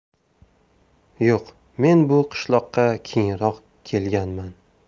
yo'q men bu qishloqqa keyinroq kelganman